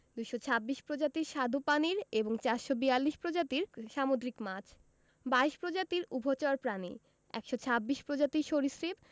২২৬ প্রজাতির স্বাদু পানির এবং ৪৪২ প্রজাতির সামুদ্রিক মাছ ২২ প্রজাতির উভচর প্রাণী ১২৬ প্রজাতির সরীসৃপ